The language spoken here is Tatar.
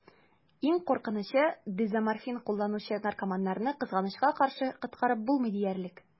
Иң куркынычы: дезоморфин кулланучы наркоманнарны, кызганычка каршы, коткарып булмый диярлек.